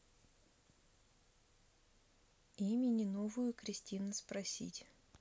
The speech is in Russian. имени новую кристина спросить